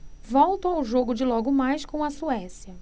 volto ao jogo de logo mais com a suécia